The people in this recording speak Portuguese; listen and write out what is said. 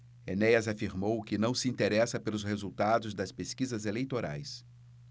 enéas afirmou que não se interessa pelos resultados das pesquisas eleitorais